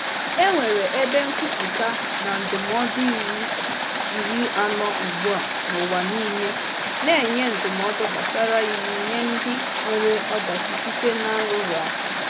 E nwere Ebe Nkwụpụta na Ndụmọdụ Iwu 40 ugbu a n'ụwa nile na-enye ndụmọdụ gbasara iwu nye ndị nwere ọdachị site na nrụrụ aka.